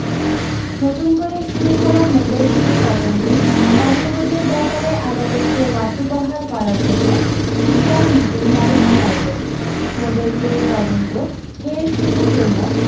নতুন করে শুরু হওয়া নোবেল চুরি তদন্তের অগ্রগতির ব্যাপারে আদালতকে ওয়াকিবহাল করার জন্য সিবিআই নতুন তারিখ চাইল নোবেল চুরির তদন্ত ফের শুরুর জন্য